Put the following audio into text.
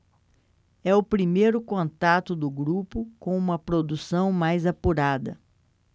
é o primeiro contato do grupo com uma produção mais apurada